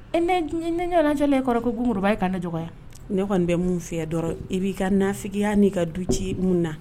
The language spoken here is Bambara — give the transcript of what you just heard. E ɲɛ ye ne jɔlen na e kɔrɔ i ko gunkuruba! E ye ka ne dɔgɔya! Ne kɔni bɛ mun fɔ I ye dɔrɔnw i b'i ka nafigiya la n'i ka du ci mun na